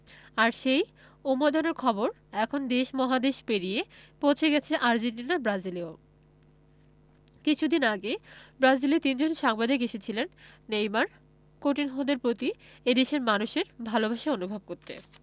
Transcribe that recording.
আর সেই উন্মাদনার খবর এখন দেশ মহাদেশ পেরিয়ে পৌঁছে গেছে আর্জেন্টিনা ব্রাজিলেও কিছুদিন আগেই ব্রাজিলের তিনজন সাংবাদিক এসেছিলেন নেইমার কুতিনহোদের প্রতি এ দেশের মানুষের ভালোবাসা অনুভব করতে